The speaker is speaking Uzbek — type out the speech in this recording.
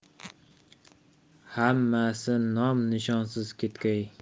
hammasi nomnishonsiz ketgay